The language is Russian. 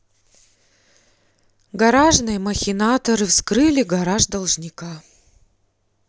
гаражные махинаторы вскрыли гараж должника